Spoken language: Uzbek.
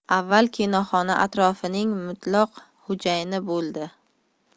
avval kinoxona atrofining mutlaq xo'jayini bo'ldi